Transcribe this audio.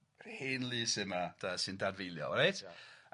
Hen Lys yma 'de sy'n dadfeiliol reit? Ia.